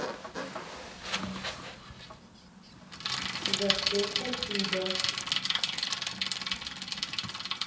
за что спасибо